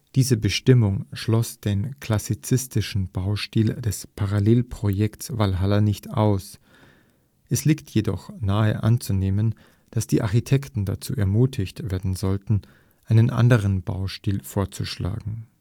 Diese Bestimmung schloss den klassizistischen Baustil des Parallelprojekts Walhalla nicht aus, es liegt jedoch nahe anzunehmen, dass die Architekten dazu ermutigt werden sollten, einen anderen Baustil vorzuschlagen